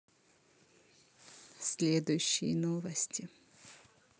следующие новости